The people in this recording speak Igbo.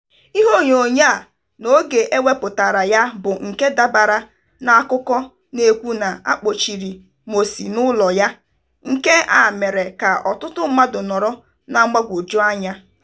Ihe onyonyo a, na oge ewepụtara ya bụ nke dabara n'akụkọ na-ekwu na akpọchiri Morsi n'ụlọ ya, nke a mere ka ọtụtụ mmadụ nọrọ na mgbagwoju anya.